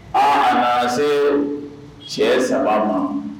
Aa nana se shɛ saba ma